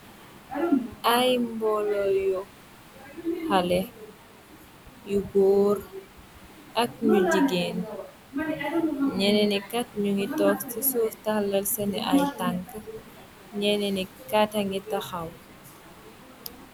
Ay mbolo yu haley, yu góor ak ñu jigeen yenen yi kat ñu ngi toog ci suuf tàllal sëni ay tank. yenen yi kata ngi tahaw.